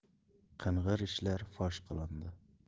qing'ir ishlar fosh qilindi